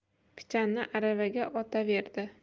pichanni aravaga otaverdi